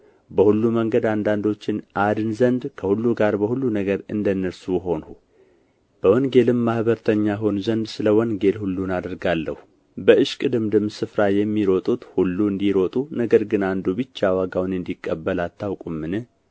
በሁሉ መንገድ አንዳንዶችን አድን ዘንድ ከሁሉ ጋር በሁሉ ነገር እንደ እነርሱ ሆንሁ በወንጌልም ማኅበረተኛ እሆን ዘንድ ስለ ወንጌል ሁሉን አደርጋለሁ በእሽቅድምድም ስፍራ የሚሮጡት ሁሉ እንዲሮጡ ነገር ግን አንዱ ብቻ ዋጋውን እንዲቀበል አታውቁምን